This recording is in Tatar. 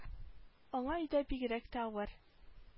Аңа өйдә бигрәк тә авыр